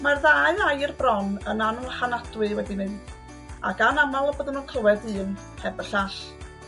Mae'r ddau air bron yn anwahanadwy wedi myn' ag anamal y byddwn yn clywed un heb y llall.